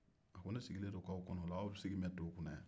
a ko ne sigilen don k'aw kɔnɔ jaa aw sigilen don to kunna yan